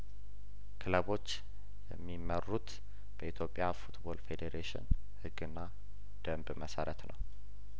ክለቦች የሚመሩት በኢትዮጵያ ፉትቦል ፌዴሬሽን ህግና ደንብ መሰረት ነው